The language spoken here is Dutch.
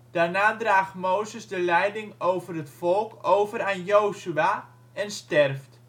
Daarna draagt Mozes de leiding over het volk over aan Jozua, en sterft